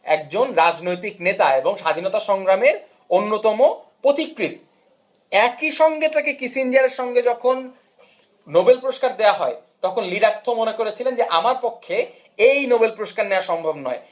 একজন রাজনৈতিক নেতা এবং স্বাধীনতা সংগ্রামে অন্যতম প্রতি কৃত একই সঙ্গে তাকে যখন কিসিঞ্জারের সঙ্গে যখন নোবেল পুরস্কার দেয়া হয় তখন লি ডাক থো মনে করেছিলেন আমার পক্ষে এই নোবেল পুরস্কার নেয়া সম্ভব নয়